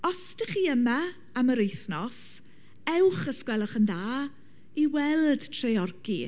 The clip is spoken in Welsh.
Os dach chi yma am yr wythnos, ewch os gwelwch yn dda, i weld Treorci.